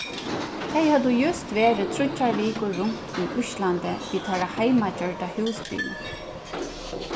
tey høvdu júst verið tríggjar vikur runt í íslandi við teirra heimagjørda húsbili